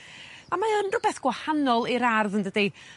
a mae o'n rwbeth gwahanol i'r ardd yndydi?